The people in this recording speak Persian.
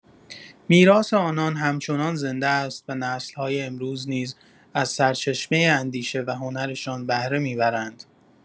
میراث آنان همچنان زنده است و نسل‌های امروز نیز از سرچشمه اندیشه و هنرشان بهره می‌برند.